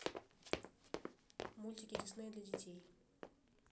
мультики дисней для детей